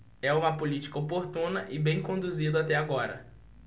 é uma política oportuna e bem conduzida até agora